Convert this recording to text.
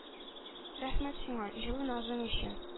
Рәхмәт сиңа җылы назың өчен,